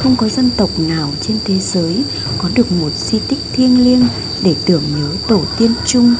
không có dân tộc nào trên thế giới có được một di tích thiêng liêng để tưởng nhớ tổ tiên chung